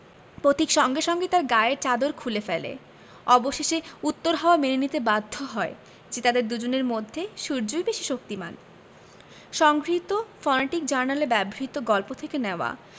পথিক সঙ্গে সঙ্গে তার গায়ের চাদর খুলে ফেলে অবশেষে উত্তর হাওয়া মেনে নিতে বাধ্য হয় যে তাদের দুজনের মধ্যে সূর্যই বেশি শক্তিমান সংগৃহীত ফনেটিক জার্নালে ব্যবহিত গল্প থেকে নেওয়া